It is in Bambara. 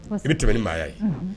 I bɛ tɛmɛ ni maaya ye